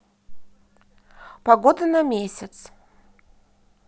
погода на месяц